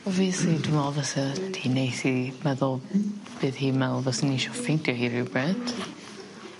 Wel fi sy dwi me'wl fysa hi neis i meddwl bydd hi'n me'wl fyswn i isio ffeindio hi rywbryd